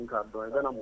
N k'a dɔn i kana mun